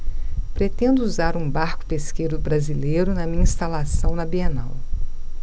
pretendo usar um barco pesqueiro brasileiro na minha instalação na bienal